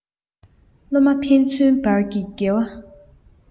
སློབ མ ཕན ཚུན དབར གྱི འགལ བ